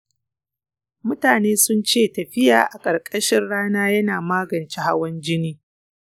mutane sun ce tafiya a ƙarƙashin rana yana magance hawan jini